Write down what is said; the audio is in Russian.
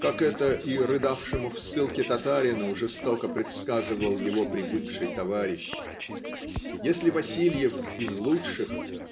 как это и рыдавшему в ссылке татарину жестоко предсказывал его привыкший товарищ. Если Васильев из лучших